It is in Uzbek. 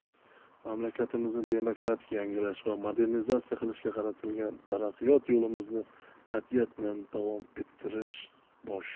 mamlakatimizni demokratik yangilash va modernizatsiya qilishga qaratilgan taraqqiyot yo'limizni qat'iyat bilan davom ettirish bosh